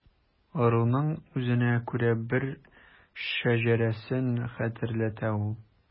Ыруның үзенә күрә бер шәҗәрәсен хәтерләтә ул.